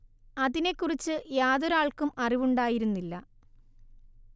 അതിനെക്കുറിച്ച് യാതൊരാൾക്കും അറിവുണ്ടായിരുന്നില്ല